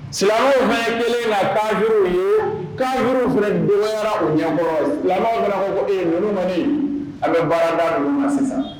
Silamɛw la kafiruw ye kafiruw fana dɔgɔyara u ɲɛkɔrɔ silamɛw fana ko ee ninnu kɔni an bɛ baarada ninnu kan sisan